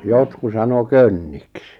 jotkut sanoi könniksi